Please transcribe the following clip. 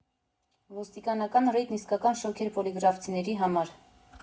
Ոստիկանական ռեյդն իսկական շոկ էր պոլիգրաֆցիների համար։